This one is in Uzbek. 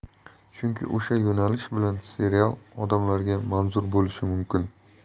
chunki o'sha yo'nalish bilan serial odamlarga manzur bo'lishi mumkin